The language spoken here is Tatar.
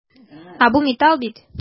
Ә бу металл бит!